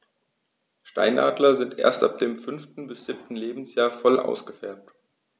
Steinadler sind erst ab dem 5. bis 7. Lebensjahr voll ausgefärbt.